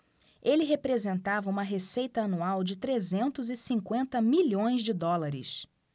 ele representava uma receita anual de trezentos e cinquenta milhões de dólares